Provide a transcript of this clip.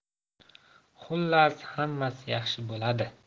xullas xammasi yaxshi bo'ladi